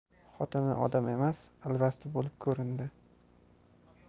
xotini odam emas alvasti bo'lib ko'rindi